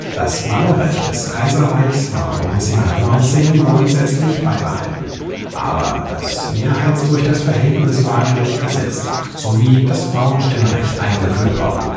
Das Wahlrecht des Kaiserreichs war 1919 grundsätzlich beibehalten, aber das Mehrheits - durch das Verhältniswahlrecht ersetzt sowie das Frauenstimmrecht eingeführt worden